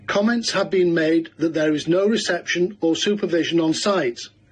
comments have been made that there is no reception or supervision on-site.